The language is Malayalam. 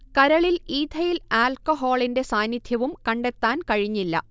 കരളിൽ ഈഥെയ്ൽ ആൽക്കഹോളിന്റെ സാന്നിധ്യവും കണ്ടെത്താൻ കഴിഞ്ഞില്ല